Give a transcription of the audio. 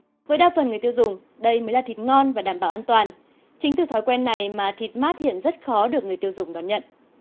với đa phần người tiêu dùng đây mới là thịt ngon và đảm bảo an toàn chính từ thói quen này mà thịt mát hiện rất khó được người tiêu dùng đón nhận